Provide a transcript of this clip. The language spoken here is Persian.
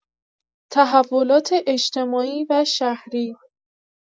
تحولات اجتماعی و شهری